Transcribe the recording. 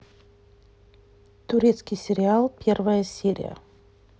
турецкий сериал первая серия